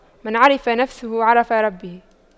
من عرف نفسه عرف ربه